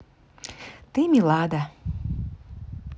ты милада